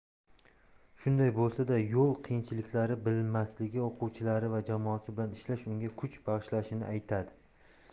shunday bo'lsa da yo'l qiyinchiliklari bilinmasligi o'quvchilari va jamoasi bilan ishlash unga kuch bag'ishlashini aytadi